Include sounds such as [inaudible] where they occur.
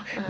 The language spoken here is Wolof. [hesitation]